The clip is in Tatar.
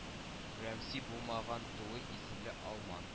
Рәмси булмаган тулы исемле алман